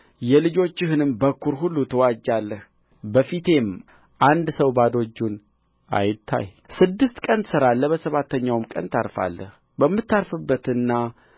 የልጆችህንም በኵር ሁሉ ትዋጃለህ በፊቴም አንድ ሰው ባዶ እጁን አይታይ ስድስት ቀን ትሠራለህ በሰባተኛውም ቀን ታርፋለህ በምታርስበትና